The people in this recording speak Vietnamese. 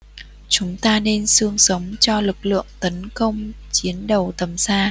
chúng tạo nên xương sống cho lực lượng tấn công chiến đấu tầm xa